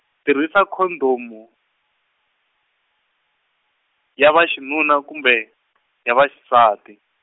tirhisa khondomu, ya vaxinuna kumbe , ya vaxisati.